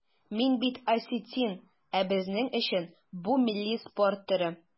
Мин бит осетин, ә безнең өчен бу милли спорт төре.